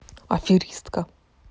аферистка